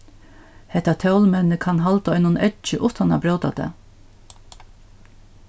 hetta tólmennið kann halda einum eggi uttan at bróta tað